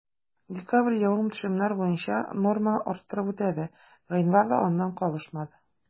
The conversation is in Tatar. Декабрь явым-төшемнәр буенча норманы арттырып үтәде, гыйнвар да аннан калышмады.